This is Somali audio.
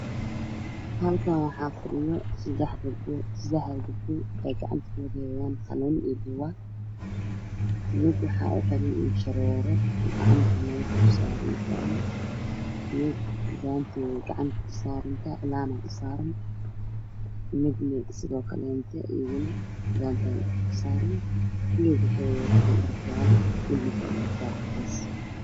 Halkaan waxa fadhiyo 3 gabdho sadexda gabdho waxay gacanta kula jeedaan qalin iyo buugaag mid waxa u xiran in dha shareero gacanta madaxey u saarantahay mida gacnta madaxa u saarantahay cilaan ba u saaran midna sidoo kaleeto iyo walibobgacnata u saarantahy kuligood waxay wada wataan dhar jaallo